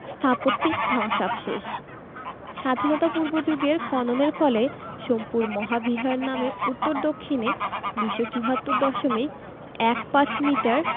স্থাপত্যিক ধ্বংসাবশেষ: স্বাধীনতা পূর্ব যুগের খননের ফলে সোমপুর মহাবিহার নামে উত্তর দক্ষিণে ২৭৪ দশমিক এক পাঁচ মিটার